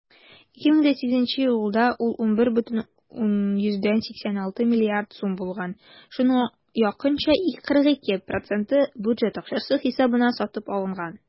2008 елда ул 11,86 млрд. сум булган, шуның якынча 42 % бюджет акчасы хисабына сатып алынган.